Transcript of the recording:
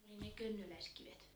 oli ne könnöläiskivet